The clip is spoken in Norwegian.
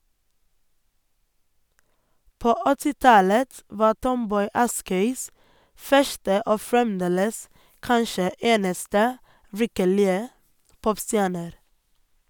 På 80-tallet var Tomboy Askøys første og fremdeles kanskje eneste virkelige popstjerner.